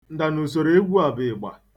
Ndanusoro egwu a bụ ịgba.